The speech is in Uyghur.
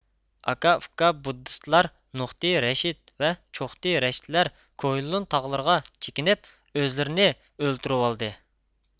ئاكا ئۇكا بۇددىستلار نۇقتى رەشىد ۋە چوقتى رەشىدلەر كۇئېنلۇن تاغلىرىغا چېكىنىپ ئۆزلىرىنى ئۆلتۈرۈۋالدى